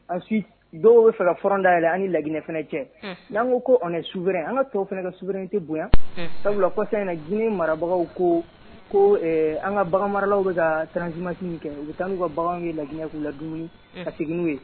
Ensuite dow bɛ fɛ ka front dayɛlɛ an ni La Guinée fɛnɛ cɛ unhun n'an ŋo ko on est souverain _ an ŋa tɔw fɛnɛ ka souveraineté boɲa sabula kɔsan in na Guinée marabagaw ko koo ɛɛ an ka baganmaralaw bɛ kaa min kɛ u bɛ taa n'u ka baganw ye La Guinée k'u la dumuni ka segin n'u ye